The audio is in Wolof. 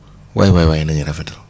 waay waay waay nañu rafetal